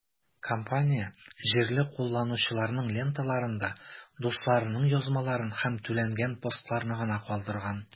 Компания җирле кулланучыларның ленталарында дусларының язмаларын һәм түләнгән постларны гына калдырган.